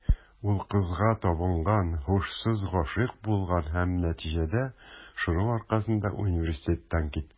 Ул кызга табынган, һушсыз гашыйк булган һәм, нәтиҗәдә, шуның аркасында университеттан киткән.